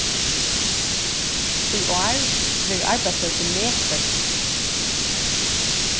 í ár verður arbeiðsloysið methøgt